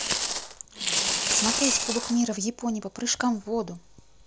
смотреть кубок мира в японии по прыжкам в воду